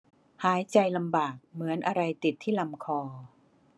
หายใจลำบากเหมือนอะไรติดที่ลำคอ